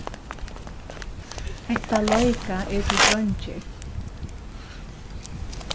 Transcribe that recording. hetta leikað er til dreingir